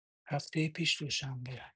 هفته پیش دوشنبه